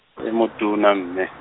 e motona mme.